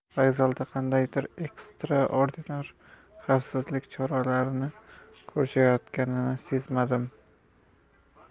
vokzalda qandaydir ekstraordinar xavfsizlik choralarini ko'rishayotganini sezmadim